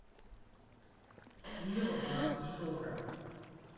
лева обжора